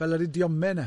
Fel yr idiome yna.